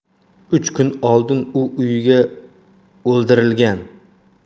uch kun oldin u uyida o'ldirilgan